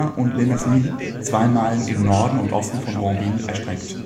und Le Mesnil, zwei Meilen im Norden und Osten von Ranville, erstreckt